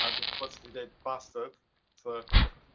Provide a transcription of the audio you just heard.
A dwi'n gwybod sut i ddweud "bastard", so...